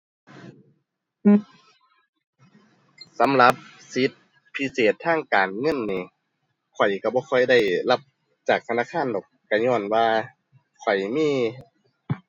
สำหรับสิทธิ์พิเศษทางการเงินนี้ ข้อยก็บ่ค่อยได้รับจากธนาคารดอก ก็ญ้อนว่าข้อยมี